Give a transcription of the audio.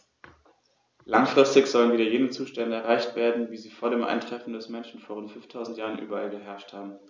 Langfristig sollen wieder jene Zustände erreicht werden, wie sie vor dem Eintreffen des Menschen vor rund 5000 Jahren überall geherrscht haben.